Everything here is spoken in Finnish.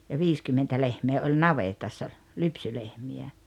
ja viisikymmentä lehmää oli navetassa lypsylehmiä